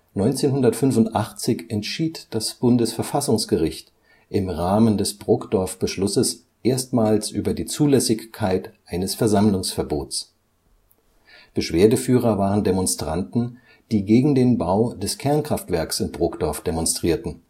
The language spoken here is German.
1985 entschied das Bundesverfassungsgericht im Rahmen des Brokdorf-Beschlusses erstmals über die Zulässigkeit eines Versammlungsverbots. Beschwerdeführer waren Demonstranten, die gegen den Bau des Kernkraftwerks in Brokdorf demonstrierten